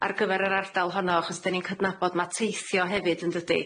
ar gyfer yr ardal honno achos 'den ni'n cydnabod ma' teithio hefyd, yn dydi?